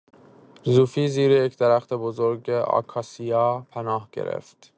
زوفی زیر یک درخت بزرگ آکاسیا پناه گرفت.